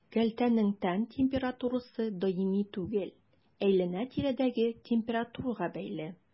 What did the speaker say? Кәлтәнең тән температурасы даими түгел, әйләнә-тирәдәге температурага бәйле.